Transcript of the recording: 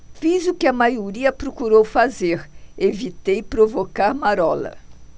fiz o que a maioria procurou fazer evitei provocar marola